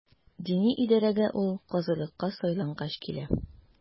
Дини идарәгә ул казыйлыкка сайлангач килә.